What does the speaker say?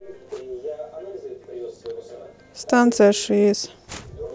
станция шиес